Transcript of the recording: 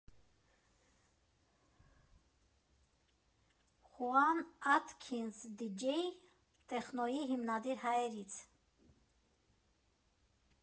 Խուան Աթքինզ, դիջեյ, տեխնոյի հիմնադիր հայրերից։